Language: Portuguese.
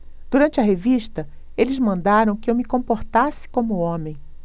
durante a revista eles mandaram que eu me comportasse como homem